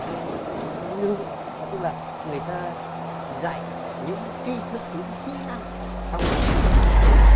lên nương thì con lên nương là tức là người ta dảy những tri thức những kỹ năng trong các sử thi đó luôn